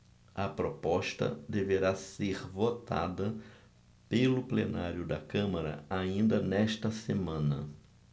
a proposta deverá ser votada pelo plenário da câmara ainda nesta semana